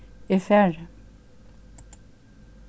eg fari